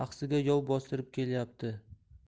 axsiga yov bostirib kelyapti